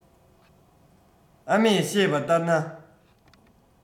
ཨ མས བཤད པ ལྟར ན